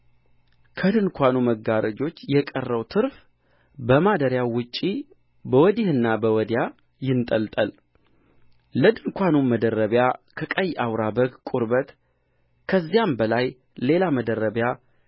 ከድንኳኑ መጋረጆች የቀረው ትርፍ በማደሪያው ውጭ በወዲህና በወዲያ ይንጠልጠል ለድንኳኑም መደረቢያ ከቀይ አውራ በግ ቁርበት ከዚያም በላይ ሌላ መደረቢያ